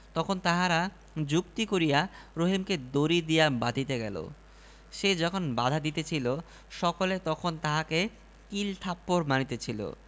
তখন তাহারা যুক্তি করিয়া রহিমকে দড়ি দিয়া বাধিতে গেল সে যখন বাধা দিতেছিল সকলে তখন তাহাকে কিল থাপ্পর মারিতেছিল